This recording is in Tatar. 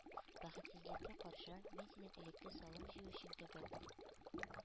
Бәхетсезлеккә каршы, мин синең элекке салым җыючың кебек,